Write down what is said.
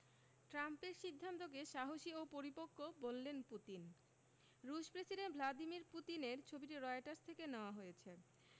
ট্রাম্পের সিদ্ধান্তকে সাহসী ও পরিপক্ব বললেন পুতিন রুশ প্রেসিডেন্ট ভ্লাদিমির পুতিনের ছবিটি রয়টার্স থেকে নেয়া হয়েছে